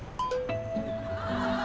em thấy